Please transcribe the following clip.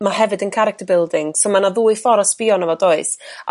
ma' hefyd yn character building so ma' 'na ddwy ffor' o sbïo arno fo does? A